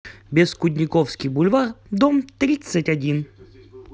бескудниковский бульвар дом тридцать один